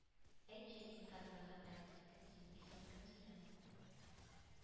Әйтче, зинһар, мәрхәмәтсез! Кем син? Исмең кем синең?